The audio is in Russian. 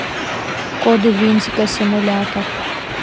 коды винтика симулятор